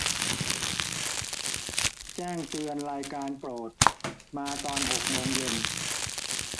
แจ้งเตือนรายการโปรดมาตอนหกโมงเย็น